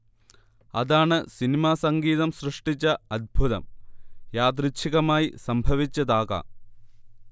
അതാണ് സിനിമാസംഗീതം സൃഷ്ടിച്ച അദ്ഭുതം യാദൃച്ഛികമായി സംഭവിച്ചതാകാം